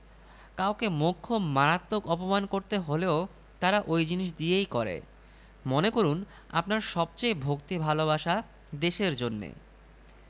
কাউকে মোক্ষম মারাত্মক অপমান করতে হলেও তারা ওই জিনিস দিয়েই করে মনে করুন আপনার সবচেয়ে ভক্তি ভালবাসা দেশের জন্য